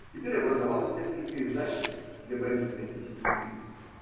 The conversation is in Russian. Теперь образовалось несколько издательств для борьбы с антисемитизмом